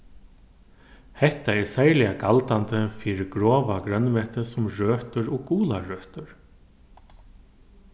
hetta er serliga galdandi fyri grova grønmetið sum røtur og gularøtur